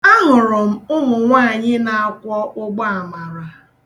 A hụrụ m ụmụnwaanyị na-akwọ ụgbọ amara.